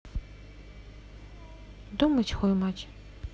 думать хуемать